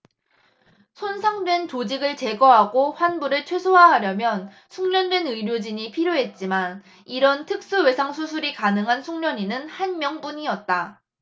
손상된 조직을 제거하고 환부를 최소화하려면 숙련된 의료진이 필요했지만 이런 특수외상 수술이 가능한 숙련의는 한 명뿐이었다